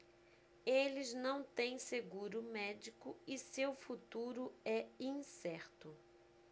eles não têm seguro médico e seu futuro é incerto